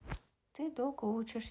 ты долго учишься